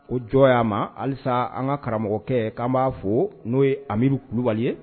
O jɔn y' a ma halisa an ka karamɔgɔkɛ k'an b'a fɔ n'o yebali ye